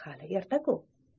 hali erta ku